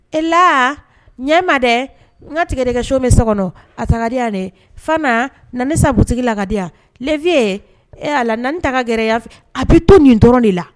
E la ɲɛ ma dɛ n ka tigɛli kɛ so min so kɔnɔ adenya dɛ na sa bu la kadi fiye a la ta gɛrɛya a bɛ to nin dɔrɔn de la